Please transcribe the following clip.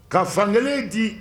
Ka fankelen di